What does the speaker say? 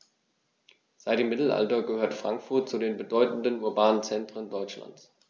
Seit dem Mittelalter gehört Frankfurt zu den bedeutenden urbanen Zentren Deutschlands.